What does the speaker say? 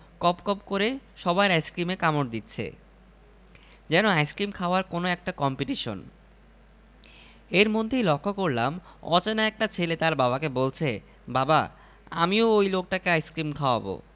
সাদা চুল সাদা দাড়ি রবিঠাকুর যে এতে সন্দেহের কিছুই নেই আমরা তালের পাখা কিনলাম মার্টির কলস কিনলাম সোলার কুমীর কিনলীম